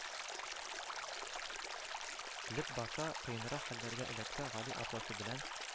Леп баса, кыенрак хәлләргә эләксә, гали абзасы белән